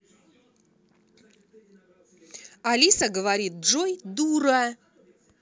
алиса говорит джой дура